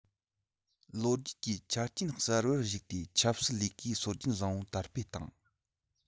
ལོ རྒྱུས ཀྱི ཆ རྐྱེན གསར པར གཞིགས ཏེ ཆབ སྲིད ལས ཀའི སྲོལ རྒྱུན བཟང པོ དར སྤེལ བཏང